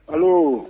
Ɔwɔ